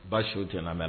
Ba su tɛ lamɛ